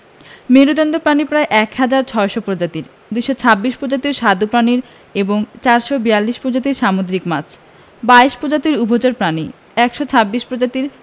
মেরুদন্ডী প্রাণী প্রায় ১হাজার ৬০০ প্রজাতির ২২৬ প্রজাতির স্বাদু পানির এবং ৪৪২ প্রজাতির সামুদ্রিক মাছ ২২ প্রজাতির উভচর প্রাণী ১২৬ প্রজাতি